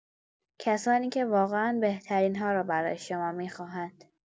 کسانی که واقعا بهترین‌ها را برای شما می‌خواهند.